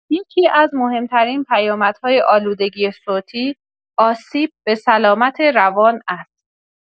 یکی‌از مهم‌ترین پیامدهای آلودگی صوتی، آسیب به سلامت روان است.